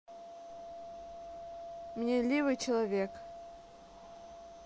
мне ливый человек